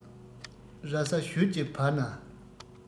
ར ས ཞོལ གྱི བར ན